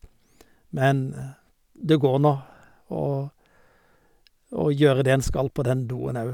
Men det går nå å å gjøre det en skal, på den doen òg.